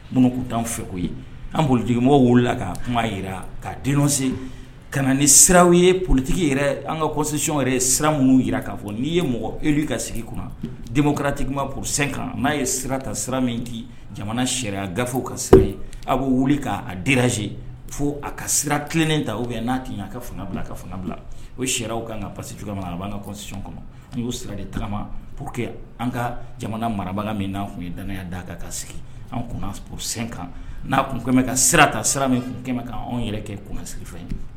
Numu' anw fɛko ye an bolotigimɔgɔw wulilala ka kuma jira ka' dense ka na ni sira ye politigi yɛrɛ an ka kɔsiyɔn yɛrɛ sira minnu jira k ka' fɔ n'i ye mɔgɔ elu ka sigi kunna denmo kɛra tigi ma psen kan n'a ye sira ta sira min di jamana sariyaya gafew ka sira ye a b'o wuli k'a diraze fo a ka sira tilennen ta u bɛ n'a kɛ' ka fanga bila ka bila o siraraw kan ka pasi cogoya na a b'an kasiy kɔnɔ n y'o sira de kalama po que an ka jamana maraba min n'a tun ye danya' kan ka sigi an kunsen kan n'a kun ka sira ta sira min kun ka anw yɛrɛ kɛ kunsigi fɛ ye